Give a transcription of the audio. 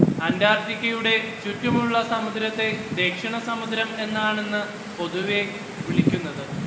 അന്റാർട്ടിക്കയുടെ ചുറ്റുമുള്ള സമുദ്രത്തെ ദക്ഷിണസമുദ്രം എന്നാണിന്ന് പൊതുവേ വിളിക്കുന്നത്